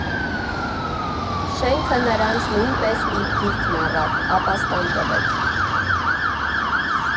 Շենքը նրանց նույնպես իր գիրկն առավ, ապաստան տվեց։